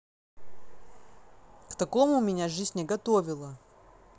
к такому меня жизнь не готовила